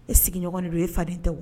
E sigiɲɔgɔn de don e faden tɛ wa